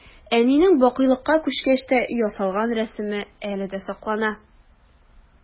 Әнинең бакыйлыкка күчкәч тә ясалган рәсеме әле дә саклана.